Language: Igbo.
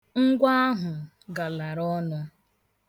Ngwa ahụ galara ọnụ